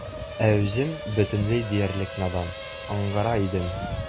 Ә үзем бөтенләй диярлек надан, аңгыра идем.